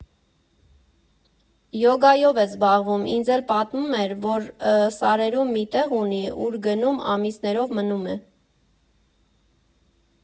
Յոգայով է զբաղվում, ինձ էլ պատմում էր, որ սարերում մի տեղ ունի, ուր գնում, ամիսներով մնում է։